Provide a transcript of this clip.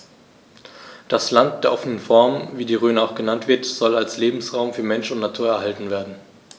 Das „Land der offenen Fernen“, wie die Rhön auch genannt wird, soll als Lebensraum für Mensch und Natur erhalten werden.